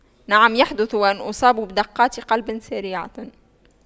نعم يحدث وأن اصاب بدقات قلب سريعة